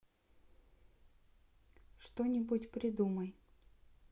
что нибудь придумай